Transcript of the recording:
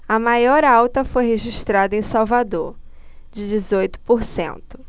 a maior alta foi registrada em salvador de dezoito por cento